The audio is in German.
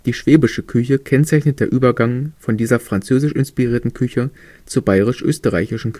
schwäbische Küche kennzeichnet der Übergang von dieser französisch inspirierten Küche zur bayerisch-österreichischen